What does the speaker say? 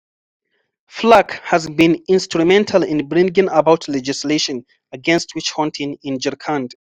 FLAC has been instrumental in bringing about legislation against witch-hunting in Jharkhand.